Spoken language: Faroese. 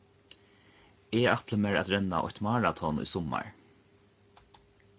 eg ætli mær at renna eitt maraton í summar